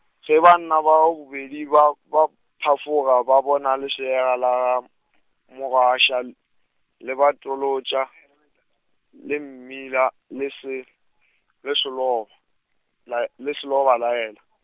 ge banna bao bobedi ba ba, phafoga ba bona lefšega la ga , Mogwaša l- le ba -tolotša le mmila le se , le selo , lae-, le selo ba laela .